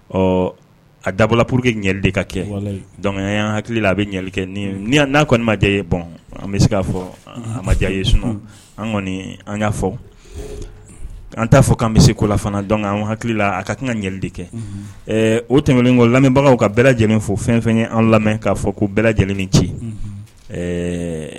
Ɔ a dabɔ pur queli de ka kɛ'an hakili a bɛli kɛ'a kɔni maden ye bɔn an bɛ se k'a fɔja ye sunɔ an kɔni an y'a fɔ an t'a fɔ an bɛ se kolafana dɔn an hakilila a ka kan ka ɲa de kɛ o tɛmɛn ko lamɛnbagaw ka bɛ lajɛlen fo fɛn fɛn ye an lamɛn'a fɔ ko bɛɛ lajɛlen ni ci ɛɛ